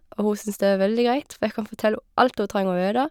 Og hun syns det er veldig greit, for jeg kan fortelle hun alt hun trenger å vite.